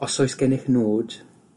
Os oes gennych nod,